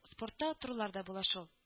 Спортта торулар да була шул